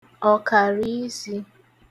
ọ̀kàrà isī